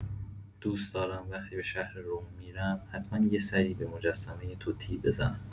دوست دارم وقتی به شهر رم می‌رم حتما یه سری به مجسمه توتی بزنم.